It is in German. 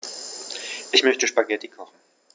Ich möchte Spaghetti kochen.